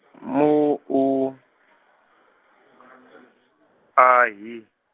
M U , A H I.